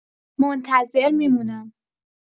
منتظر می‌مونم.